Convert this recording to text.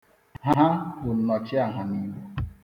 'Ha' bụ nnọchịaha n'Igbo.